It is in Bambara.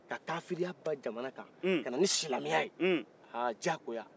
ka kafiriya ban jamana kan kana ni silamɛya ye ha jakuya